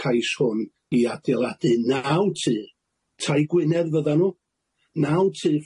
cais hwn i adeiladu naw tŷ tai Gwynedd fyddan nhw naw tŷ